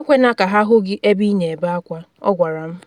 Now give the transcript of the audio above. “Ekwena ka ha hụ gị ebe ị na ebe akwa, “ọ gwara m.